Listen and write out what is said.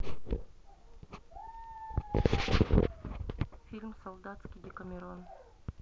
фильм солдатский декамерон